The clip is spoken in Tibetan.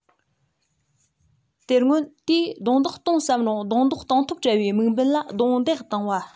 དེ སྔོན དེས རྡུང རྡེག གཏོང བསམ རུང རྡུང རྡེག གཏོང ཐབས བྲལ བའི དམིགས འབེན ལ རྡུང རྡེག གཏོང བ